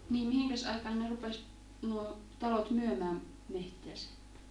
niin mihinkäs aikaan ne rupesi nuo talot myymään metsäänsä